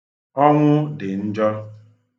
Ọnwụ dị njọ.